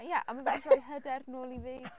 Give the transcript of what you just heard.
Ie a ma' fe 'di rhoi hyder nôl i fi.